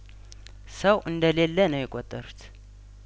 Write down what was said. ሰው እንደሌለነው የቆጠሩት